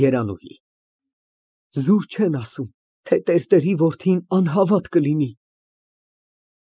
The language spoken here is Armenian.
ԵՐԱՆՈՒՀԻ ֊ Զուր չեն ասում, թե տերտերի որդին անհավատ կլինի։